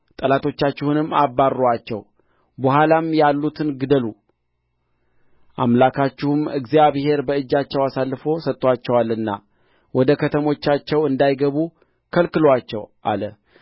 ጠላቶቻችሁንም አባርሩአቸው በኋላም ያሉትን ግደሉ አምላካችሁም እግዚአብሔር በእጃችሁ አሳልፎ ሰጥቶአቸዋልና ወደ ከተሞቻቸው እንዳይገቡ ከልክሉአቸው አለ